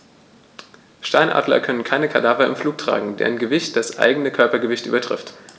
Steinadler können keine Kadaver im Flug tragen, deren Gewicht das eigene Körpergewicht übertrifft.